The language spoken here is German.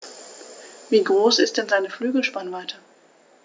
Wie groß ist denn seine Flügelspannweite?